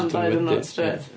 Am dau ddiwrnod strêt.